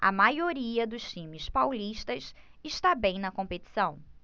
a maioria dos times paulistas está bem na competição